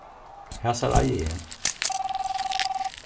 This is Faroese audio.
hasar eigi eg